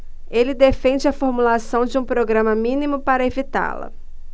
ele defende a formulação de um programa mínimo para evitá-la